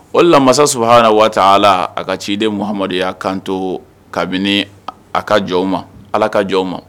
O la masa sabaha na waa a a ka ciden mumadu kan kanto kabini a ka jɔ ma ala ka jɔ ma